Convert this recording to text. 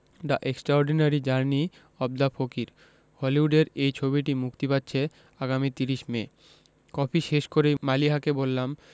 the extraordinary journey of the fakir হলিউডের এই ছবিটি মুক্তি পাচ্ছে আগামী ৩০ মে কফি শেষ করেই মালিহাকে বললাম